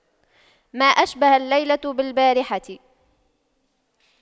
ما أشبه الليلة بالبارحة